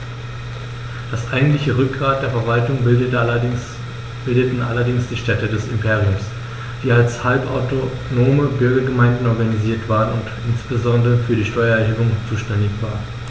Das eigentliche Rückgrat der Verwaltung bildeten allerdings die Städte des Imperiums, die als halbautonome Bürgergemeinden organisiert waren und insbesondere für die Steuererhebung zuständig waren.